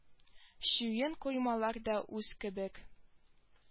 Чуен коймалар да үз кебек